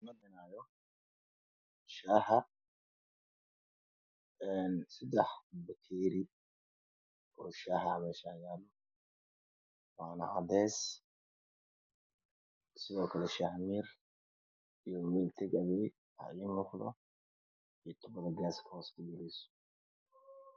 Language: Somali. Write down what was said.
Shaaxa sadex bakeri oo shaaha meeshan yaalo waana cadays sido kle shaah miir